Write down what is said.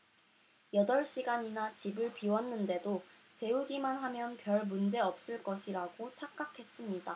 여덟 시간이나 집을 비웠는데도 재우기만하면 별문제 없을 것이라고 착각했습니다